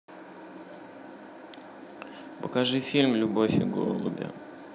покажи фильм любовь и голуби